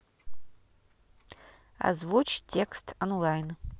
озвучь текст онлайн